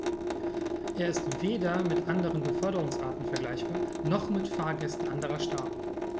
Er ist weder mit anderen Beförderungsarten vergleichbar, noch mit Fahrgästen anderer Staaten.